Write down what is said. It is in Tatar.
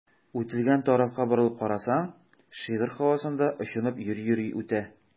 Үтелгән тарафка борылып карасаң, шигырь һавасында очынып йөри-йөри үтә.